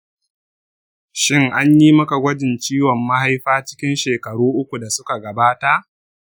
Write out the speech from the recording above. shin an yi maka gwajin ciwon mahaifa cikin shekaru uku da suka gabata?